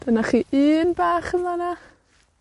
Dyna chi un bach yn fan 'na.